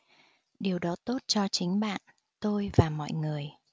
điều đó tốt cho chính bạn tôi và mọi người